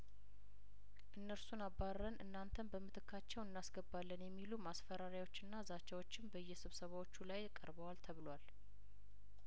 እነርሱን አባርረን እናንተን በምትካቸው እናስገባለን የሚሉ ማስፈራሪያዎችና ዛቻዎችም በየስብሰዎቹ ላይቀርበዋል ተብሏል